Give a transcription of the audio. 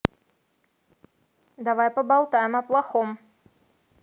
давай поболтаем о плохом